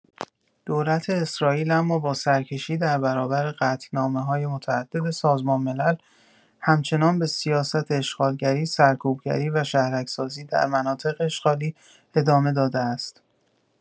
دولت اسرائیل اما با سرکشی در برابر قطعنامه‌های متعدد سازمان ملل هم‌چنان به سیاست اشغالگری، سرکوبگری و شهرک‌سازی در مناطق اشغالی ادامه داده است.